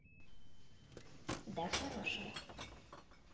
да хорошая